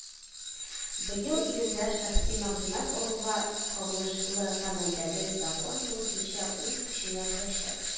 Быел июльдә шәхси мәгълүмат алуга кагылышлы гамәлдәге закон тулысынча үз көченә керәчәк